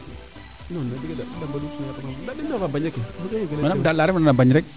manaam dand la refa a bañ rek